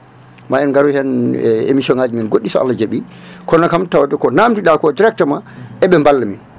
ma en garaoy hen e émission ngaji men goɗɗi so Allah jaaɓi kono tawde ko namdi ɗa ko directement eɓe balla min